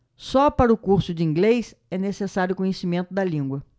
só para o curso de inglês é necessário conhecimento da língua